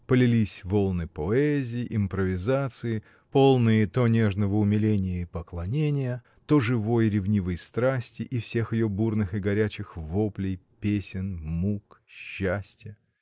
Полились волны поэзии, импровизации, полные то нежного умиления и поклонения, то живой, ревнивой страсти и всех ее бурных и горячих воплей, песен, мук, счастья.